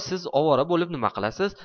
siz ovora bo'lib nima qilasiz